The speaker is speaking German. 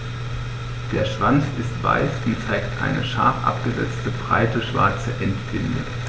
Der Schwanz ist weiß und zeigt eine scharf abgesetzte, breite schwarze Endbinde.